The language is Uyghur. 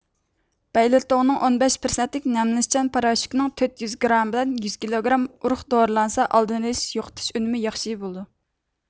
بەيلتوڭنىڭ ئون بەش پىرسەنتلىك نەملىنىشچان پاراشوكنىڭ تۆت يۈز گرامى بىلەن يۈز كىلوگرام ئۇرۇق دورىلانسا ئالدىنى ئېلىش يوقىتىش ئۈنۈمى ياخشى بولىدۇ